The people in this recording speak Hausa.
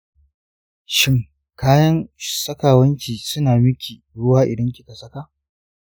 shin kayan sakawanki suna miki ruwa idan kika saka?